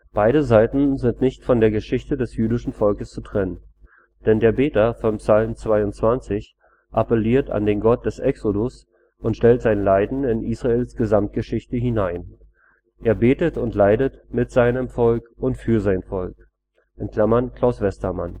Beide Seiten sind nicht von der Geschichte des jüdischen Volkes zu trennen. Denn der Beter von Psalm 22 appelliert an den Gott des Exodus und stellt sein Leiden in Israels Gesamtgeschichte hinein. Er betet und leidet mit seinem und für sein Volk (Claus Westermann